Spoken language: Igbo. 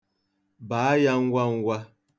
Baa ya ngwa ngwa.